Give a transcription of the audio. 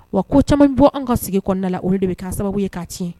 Wa ko caman min bɔ an ka sigi kɔnɔna la olu de bɛ kɛ sababu ye k'a tiɲɛ